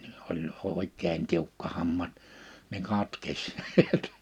oli oikein tiukka hammas niin katkesi näet